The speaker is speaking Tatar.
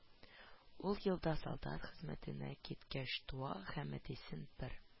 Ул елда солдат хезмәтенә киткәч туа һәм, әтисен бер